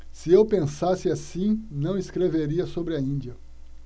se eu pensasse assim não escreveria sobre a índia